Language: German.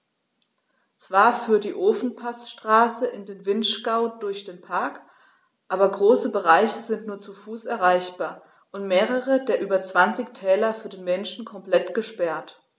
Zwar führt die Ofenpassstraße in den Vinschgau durch den Park, aber große Bereiche sind nur zu Fuß erreichbar und mehrere der über 20 Täler für den Menschen komplett gesperrt.